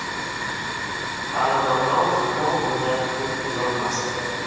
alimardon hamon undan ko'z uzolmasdi